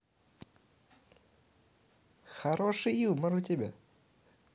хороший юмор у тебя